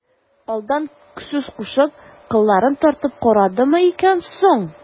Алдан сүз кушып, кылларын тартып карадымы икән соң...